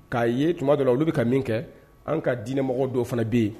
K'a ye tuma dɔ la olu bɛ ka min kɛ an ka diinɛmɔgɔ dɔw fana bɛ yen